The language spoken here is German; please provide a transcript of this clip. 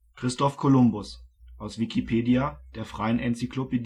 Christoph Kolumbus, aus Wikipedia, der freien Enzyklopädie